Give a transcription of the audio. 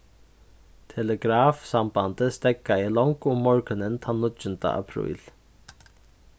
telegrafsambandið steðgaði longu um morgunin tann níggjunda apríl